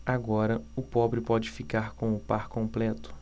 agora o pobre pode ficar com o par completo